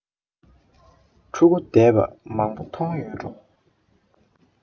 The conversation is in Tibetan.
ཕྲུ གུ བསྡད པ མང པོ མཐོང ཡོད འགྲོ